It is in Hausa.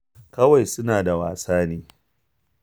“Kawai suna da wasa ne.